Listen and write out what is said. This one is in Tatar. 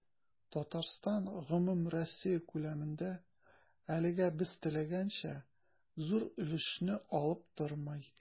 Татарстан гомумроссия күләмендә, әлегә без теләгәнчә, зур өлешне алып тормый.